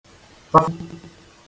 tafu